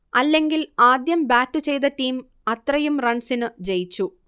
അല്ലെങ്കിൽ ആദ്യം ബാറ്റു ചെയ്ത ടീം അത്രയും റൺസിനു ജയിച്ചു